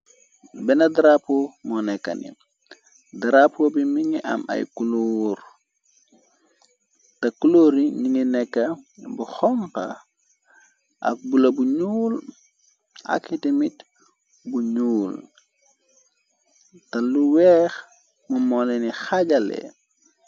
Benne drappo moo nekka ni drappo bi mi ngi am ay coloor te cloori ningi nekka bu xonxa ak bula bu ñuul akdemit bu ñuul te lu weex mu moone ni xaajalee.